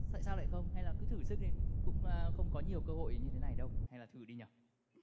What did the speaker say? tại sao lại không hay là cứ thử sức đi cũng không có nhiều cơ hội như thế này đâu hay là thử đi nhờ